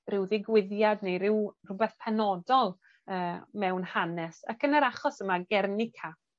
ryw ddigwyddiad ne' ryw rhwbeth penodol yy mewn hanes ac yn yr achos yma Guernica